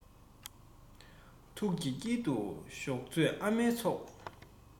ཐུགས ཀྱི དཀྱིལ དུ ཞོག མཛོད ཨ མའི ཚོགས